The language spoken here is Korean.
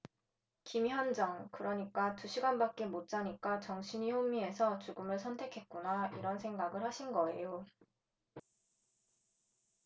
김현정 그러니까 두 시간밖에 못 자니까 정신이 혼미해서 죽음을 선택했구나 이런 생각을 하신 거예요